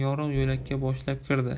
yorug' yo'lakka boshlab kirdi